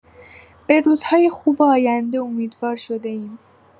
به روزهای خوب آینده امیدوار شده‌ایم.